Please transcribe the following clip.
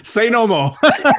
Say no more!